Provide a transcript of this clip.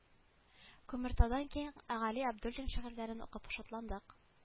Күмертаудан кин әгали абдуллин шигырьләрен укып шатландык